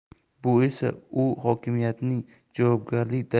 bu esa u hokimiyatning javobgarlik